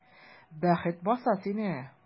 Бәхет баса сине!